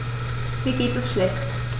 Mir geht es schlecht.